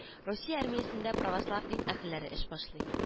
Русия армиясендә православ дин әһелләре эш башлый